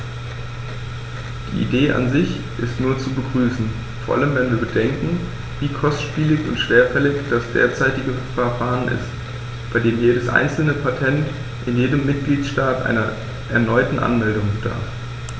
Die Idee an sich ist nur zu begrüßen, vor allem wenn wir bedenken, wie kostspielig und schwerfällig das derzeitige Verfahren ist, bei dem jedes einzelne Patent in jedem Mitgliedstaat einer erneuten Anmeldung bedarf.